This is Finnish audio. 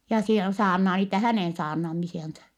ja siellä saarnaa niitä hänen saarnaamisiaan